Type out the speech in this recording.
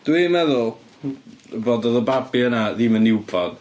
Dwi'n meddwl bod oedd y babi yna ddim yn newborn.